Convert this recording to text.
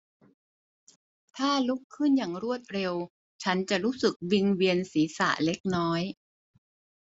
ถ้าลุกขึ้นอย่างรวดเร็วฉันจะรู้สึกวิงเวียนศีรษะเล็กน้อย